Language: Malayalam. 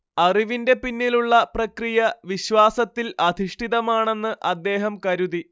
അറിവിന്റെ പിന്നിലുള്ള പ്രക്രിയ, വിശ്വാസത്തിൽ അധിഷ്ഠിതമാണെന്ന് അദ്ദേഹം കരുതി